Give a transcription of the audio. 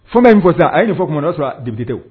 Fɔma in ko sa a ye nin fɔ kuma dɔ sɔrɔ dpte